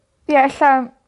ie ella